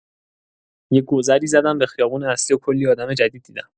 یه گذری زدم به خیابون اصلی و کلی آدم جدید دیدم.